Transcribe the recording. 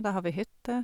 Der har vi hytte.